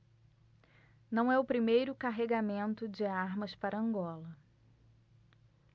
não é o primeiro carregamento de armas para angola